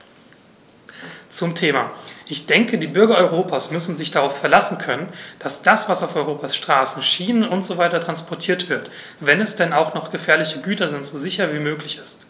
Zum Thema: Ich denke, die Bürger Europas müssen sich darauf verlassen können, dass das, was auf Europas Straßen, Schienen usw. transportiert wird, wenn es denn auch noch gefährliche Güter sind, so sicher wie möglich ist.